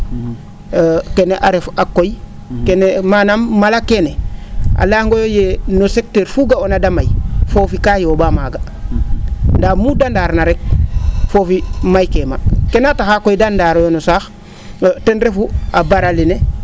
kene a ref a koy kene manaam mala keene a leyaangooyo yee no secteur fuu ga'oona ta may foofi kaa yoo?aa maaga ndaa muu da ndaarna rek foofi maykee ma kena taxa koy da ndaarooyo no saax ten refu a bar alene